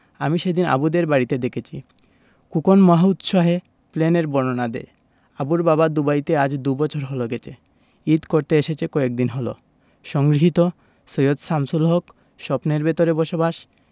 আমি সেদিন আবুদের বাড়িতে দেখেছি খোকন মহা উৎসাহে প্লেনের বর্ণনা দেয় আবুর বাবা দুবাইতে আজ দুবছর হলো গেছে ঈদ করতে এসেছে কয়েকদিন হলো সংগৃহীত সৈয়দ শামসুল হক স্বপ্নের ভেতরে বসবাস